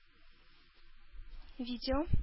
Видео